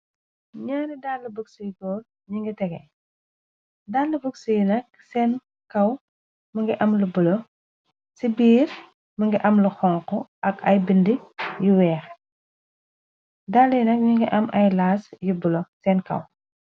Naari dalla buksu yu gór ñi ngi tegee dalla buksu yi nak sèèn kaw mu ngi am lu bula ci biir mu ngi am lu xonxu ak ay bindi yu wèèx dalla yi nak ñu ngi am ay laas yu bula sèèn kaw.